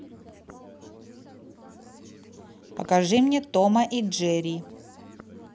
покажи мне тома и джерри